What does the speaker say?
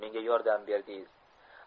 menga yordam berdingiz